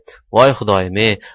voy xudoim ey